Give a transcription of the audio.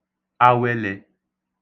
awelē